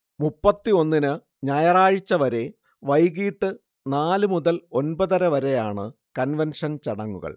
മുപ്പത്തിയൊന്നിന് ഞായറാഴ്ച വരെ വൈകീട്ട് നാല് മുതൽ ഒൻപതര വരെയാണ് കൺവെൻഷൻ ചടങ്ങുകൾ